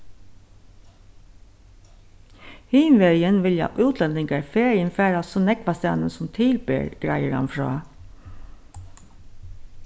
hinvegin vilja útlendingar fegin fara so nógvastaðni sum til ber greiðir hann frá